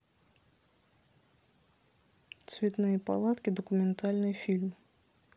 цветные платки документальный фильм